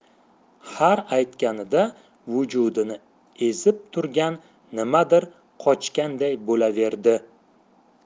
har aytganida vujudini ezib turgan nimadir qochganday bo'laverdi